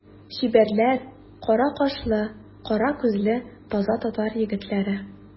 Чибәрләр, кара кашлы, кара күзле таза татар егетләре.